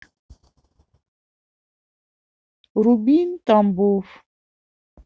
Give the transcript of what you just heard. рубин тамбов